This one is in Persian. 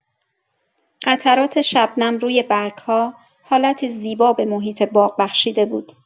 قطرات شبنم روی برگ‌ها حالتی زیبا به محیط باغ بخشیده بود.